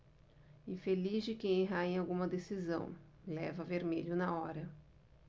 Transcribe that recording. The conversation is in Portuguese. infeliz de quem errar em alguma decisão leva vermelho na hora